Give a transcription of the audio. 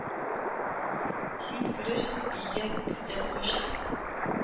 Син керерсең өйгә, көздән качып,